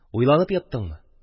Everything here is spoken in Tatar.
– уйланып яттыңмы?